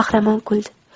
qahramon kuldi